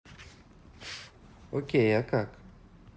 окей а как